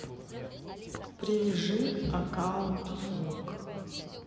привяжи аккаунт звук